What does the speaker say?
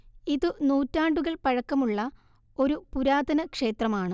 ഇതു നൂറ്റാണ്ടുകൾ പഴക്കമു ള്ള ഒരു പുരാതന ക്ഷേത്രമാണ്